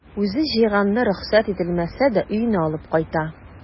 Үзе җыйганны рөхсәт ителмәсә дә өенә алып кайта.